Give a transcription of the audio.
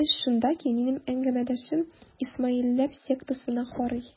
Эш шунда ки, минем әңгәмәдәшем исмаилләр сектасына карый.